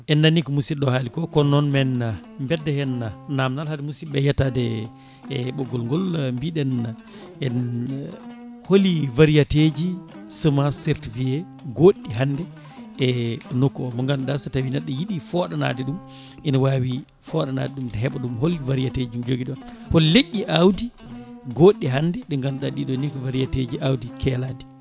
ene nani ko musidɗo o haaliko kono noon men beddo hen namdal haade musibɓe yettade e ɓoggol ngol mbiɗen en hooli variété ji semence certifié goɗɗi hande e nokku o mo ganduɗa so tawi neɗɗo yiiɗi fooɗanade vum ina wawi foɗanade ɗum heeɓa ɗum hol variété ji jooguiɗon hol leƴƴi awdi goɗɗi hannde ɗi ganduɗa ɗiɗo ni ko variété awdi keeladi